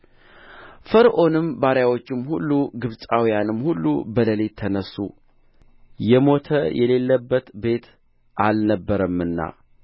ፈርዖንም ባሪያዎቹም ሁሉ ግብፃውያንም ሁሉ በሌሊት ተነሡ የሞተ የሌለበት ቤት አልነበረምና